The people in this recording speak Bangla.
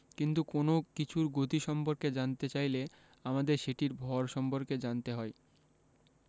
কিন্তু কোনো কিছুর গতি সম্পর্কে জানতে চাইলে আমাদের সেটির ভর সম্পর্কে জানতে হয়